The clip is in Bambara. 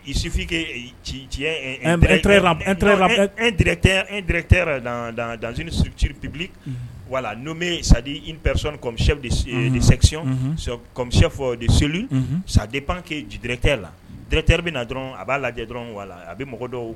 Isufi kɛ ci diɲɛ e e dɛrɛte la dantiripbi wala n'u bɛ sadipɛremi sɛcy kɔmi fɔ de seli sa de panke dɛrɛte la dɛrɛte bɛ dɔrɔn a b'a lajɛ dɔrɔn wala la a bɛ mɔgɔ dɔw